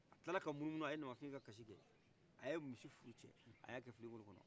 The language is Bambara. a tilala ka munumuna a ye namafin ka kasikɛ a ye misi furucɛ a y'a kɛ filen kolon kɔnɔ